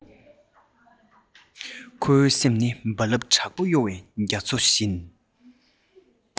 ཁོ བོའི སེམས ནི རྦ རླབས དྲག པོ གཡོ བའི རྒྱ མཚོ བཞིན